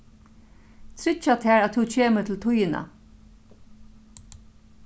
tryggja tær at tú kemur til tíðina